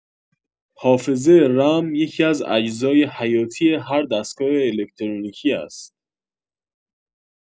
حافظه رم یکی‌از اجزای حیاتی هر دستگاه الکترونیکی است.